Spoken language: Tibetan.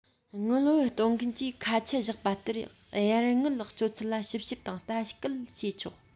དངུལ བུན གཏོང མཁན གྱིས ཁ ཆད བཞག པ ལྟར གཡར དངུལ སྤྱོད ཚུལ ལ ཞིབ བཤེར དང ལྟ སྐུལ བྱས ཆོག